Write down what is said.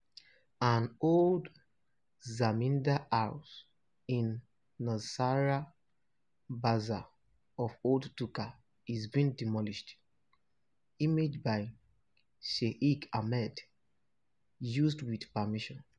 An old Zamindar house in Nazira Bazar of Old Dhaka is being demolished. Image by Shakil Ahmed. Used with permission.